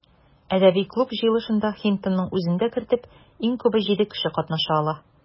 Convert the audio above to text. Әдәби клуб җыелышында, Хинтонның үзен дә кертеп, иң күбе җиде кеше катнаша ала.